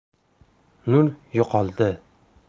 nur yo'qoldi